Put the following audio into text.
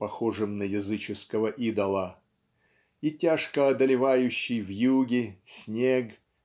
похожим на языческого идола" и тяжко одолевающий вьюги снег